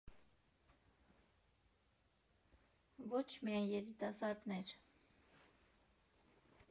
Ոչ միայն երիտասարդներ։